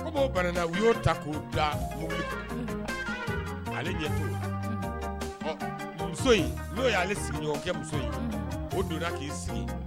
Banna u y'o ta k'u dila ale ɲɛ to muso in n'o yeale sigi muso ye o donna k'i sigi